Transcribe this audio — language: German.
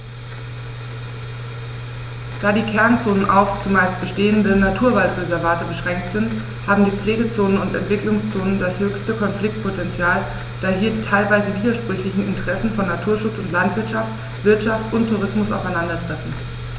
Da die Kernzonen auf – zumeist bestehende – Naturwaldreservate beschränkt sind, haben die Pflegezonen und Entwicklungszonen das höchste Konfliktpotential, da hier die teilweise widersprüchlichen Interessen von Naturschutz und Landwirtschaft, Wirtschaft und Tourismus aufeinandertreffen.